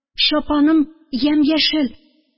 Чапаным ямь-яшел.